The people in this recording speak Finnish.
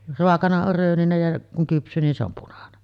raakana on rööninen ja kun kypsyy niin se on punainen